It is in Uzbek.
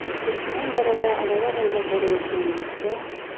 kechqurun darada arava haydab borayotganimizda